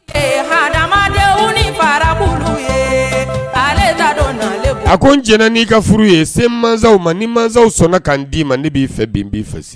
Den ni ye a ko n j'i ka furu ye se mansaw ma ni masaw sɔnna ka kan d dii ma ne b'i fɛ bin b'i fɛ se